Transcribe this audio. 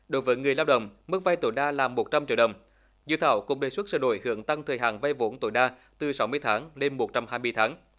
đối với người lao động mức vay tối đa là một trăm triệu đồng dự thảo cũng đề xuất sửa đổi hướng tăng thời hạn vay vốn tối đa từ sáu mươi tháng lên một trăm hai mươi tháng